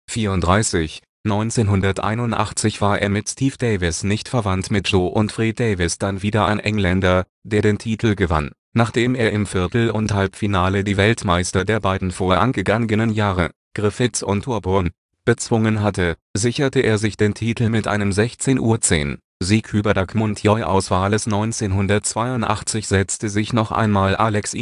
1981 war es mit Steve Davis – nicht verwandt mit Joe und Fred Davis – dann wieder ein Engländer, der den Titel gewann. Nachdem er im Viertel - und Halbfinale die Weltmeister der beiden vorangegangenen Jahre, Griffiths und Thorburn, bezwungen hatte, sicherte er sich den Titel mit einem 16:10-Sieg über Doug Mountjoy aus Wales. 1982 setzte sich noch einmal Alex